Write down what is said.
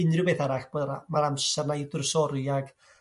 unrhyw beth arall fel yna ma'r amser 'na i drysori ag